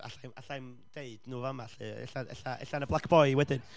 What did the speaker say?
alla i'm alla i'm deud nhw fama 'lly, ella ella ella yn y Black Boy wedyn.